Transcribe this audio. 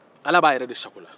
ala b'a yɛrɛ de sago la